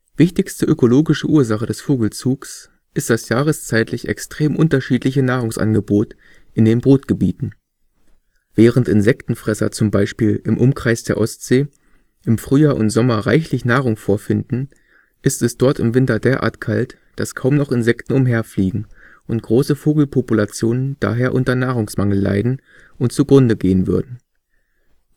Wichtigste ökologische Ursache des Vogelzugs ist das jahreszeitlich extrem unterschiedliche Nahrungsangebot in den Brutgebieten: Während Insektenfresser zum Beispiel im Umkreis der Ostsee im Frühjahr und Sommer reichlich Nahrung vorfinden, ist es dort im Winter derart kalt, dass kaum noch Insekten umherfliegen und große Vogelpopulationen daher unter Nahrungsmangel leiden und zugrunde gehen würden. Umgekehrt